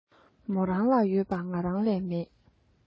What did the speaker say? མོ རང ལ ཡོད པ ང རང ལས མེད